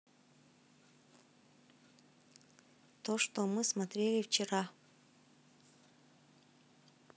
то что мы смотрели вчера